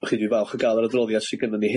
w'ch chi dwi'n falch o ga'l yr adroddiad sy gynnon ni